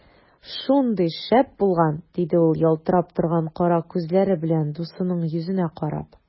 Шундый шәп булган! - диде ул ялтырап торган кара күзләре белән дусының йөзенә карап.